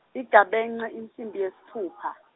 Igabence insimbi yesitfupha.